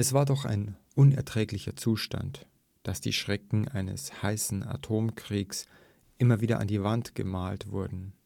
war doch ein unerträglicher Zustand, dass die Schrecken eines heißen Atomkrieges immer wieder an die Wand gemalt wurden